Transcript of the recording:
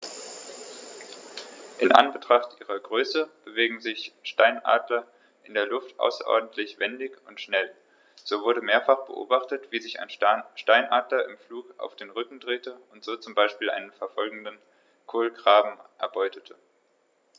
In Anbetracht ihrer Größe bewegen sich Steinadler in der Luft außerordentlich wendig und schnell, so wurde mehrfach beobachtet, wie sich ein Steinadler im Flug auf den Rücken drehte und so zum Beispiel einen verfolgenden Kolkraben erbeutete.